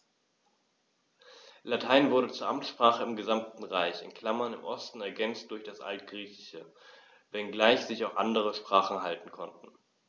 Latein wurde zur Amtssprache im gesamten Reich (im Osten ergänzt durch das Altgriechische), wenngleich sich auch andere Sprachen halten konnten.